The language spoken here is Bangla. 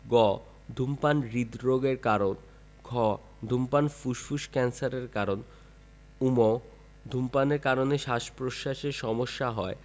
গ ধূমপান হৃদরোগের কারণ ঘ ধূমপান ফুসফুস ক্যান্সারের কারণ ঙ ধূমপানের কারণে শ্বাসপ্রশ্বাসের সমস্যা হয়